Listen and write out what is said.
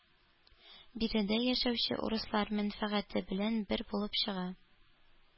Биредә яшәүче урыслар мәнфәгате белән бер булып чыга.